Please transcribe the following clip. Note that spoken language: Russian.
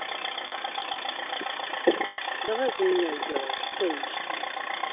давай за меня сделаешь солнышко